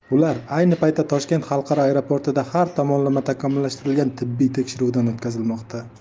ular ayni paytda toshkent xalqaro aeroportida har tomonlama takomillashtirilgan tibbiy tekshiruvdan o'tkazilmoqda